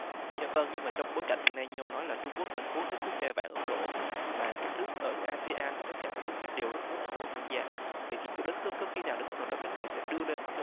dạ vâng nhưng mà trong bối cảnh hiện nay như ông nói là trung quốc đang cố hết sức ve vãn ấn độ và các nước ở a sê an và tất cả các nước khác đều rất muốn ấn độ tham gia vậy thì cứ đến cước có khi nào đến lúc nào đó các nước này sẽ đưa lên